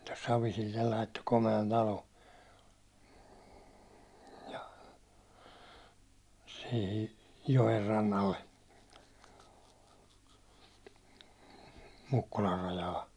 Savisille laittoi komean talon ja siihen joenrannalle Mukkulan rajaa